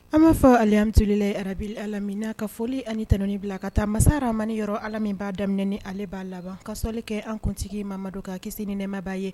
An b'a fɔ alemiseli la rabi alamin ka foli ani tauni bila ka taa masaramani yɔrɔ ala min b' daminɛ ni ale b'a laban kasɔrɔli kɛ an kuntigi mamadu ka kisi ni nɛmabaa ye